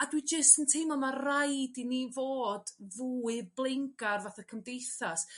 A dwi jyst yn teimlo 'ma raid i ni fod fwy blaengar fatha cymdeithas